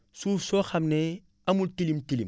suuf soo xam ne amul tilim tilim